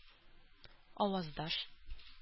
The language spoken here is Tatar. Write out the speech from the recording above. Аваздаш